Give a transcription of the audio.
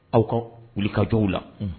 Aw ka wuli ka jɔw la